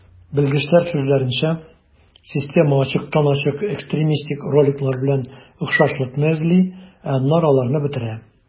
Белгечләр сүзләренчә, система ачыктан-ачык экстремистик роликлар белән охшашлыкны эзли, ә аннары аларны бетерә.